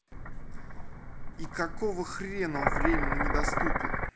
и какого хрена он временно недоступен